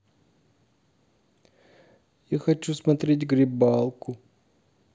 я хочу смотреть грибалку